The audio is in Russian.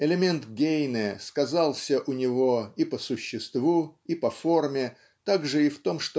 Элемент Гейне сказался у него и по существу и по форме также и в том